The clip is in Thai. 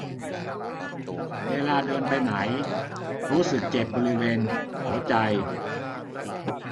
เวลาเดินไปไหนรู้สึกเจ็บบริเวณหัวใจ